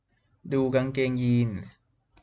ดูกางเกงยีนส์